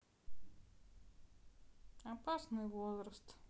опасный возраст